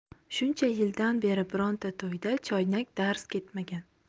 shuncha yildan beri bironta to'yda choynak darz ketmagan